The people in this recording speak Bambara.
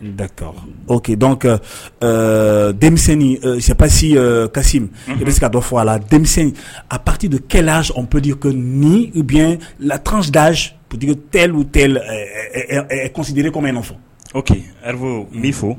Da dɔn ka se pasi kasi i bɛ se ka dɔ fɔ a la denmisɛnnin a pati don kɛlɛson ppdi ni biyɛn latrand p tɛ kɔsidire kɔ min na fɔ o ara n bɛ fɔ